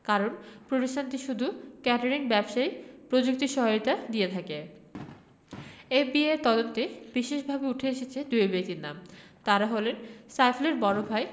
কারণ প্রতিষ্ঠানটি শুধু কেটারিং ব্যবসায় প্রযুক্তি সহায়তা দিয়ে থাকে এফবিআইয়ের তদন্তে বিশেষভাবে উঠে এসেছে দুই ব্যক্তির নাম তাঁরা হলেন সাইফুলের বড় ভাই